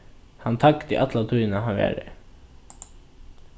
hann tagdi alla tíðina hann var har